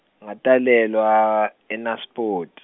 ngatalelwa eNaspoti.